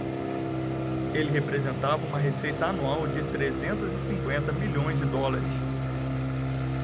ele representava uma receita anual de trezentos e cinquenta milhões de dólares